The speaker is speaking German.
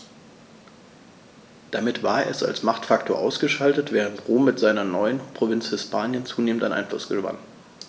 Damit war es als Machtfaktor ausgeschaltet, während Rom mit seiner neuen Provinz Hispanien zunehmend an Einfluss gewann.